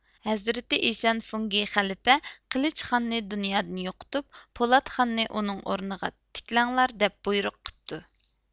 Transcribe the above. ھەزرىتى ئىشان فوڭگى خەلىپە قىلىچ خاننى دۇنيادىن يوقىتىپ پولات خاننى ئۇنىڭ ئورنىغا تىكلەڭلار دەپ بۇيرۇق قىپتۇ